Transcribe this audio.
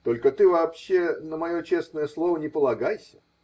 Только ты вообще на мое честное слово не полагайся.